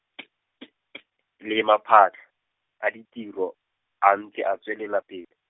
T T T, le maphata, a ditiro, a ntse a tswelela pele.